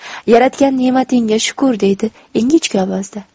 yaratgan nematingga shukur deydi ingichka ovozda